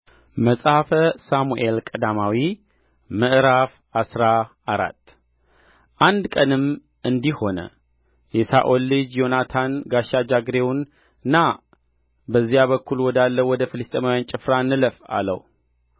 መጽሐፈ ሳሙኤል ቀዳማዊ ምዕራፍ አስራ አራት አንድ ቀንም እንዲህ ሆነ የሳኦል ልጅ ዮናታን ጋሻ ጃግሬውን ና በዚያ በኩል ወዳለው ወደ ፍልስጥኤማውያን ጭፍራ እንለፍ አለው